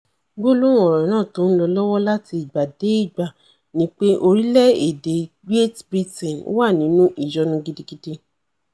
Gbólóhùn ọ̀rọ̀ náà tó ńlọ lọ́wọ́ láti ìgbà dé ìgbà nipé orilẹ̵-ede Great Britain wà nínú ìyọnu gidigidi.